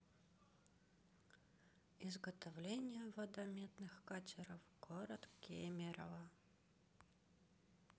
изготовление водометных катеров город кемерово